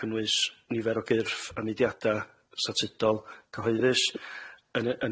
cynnwys nifer o gyrff a mudiada', statudol, cyhoeddus yn y-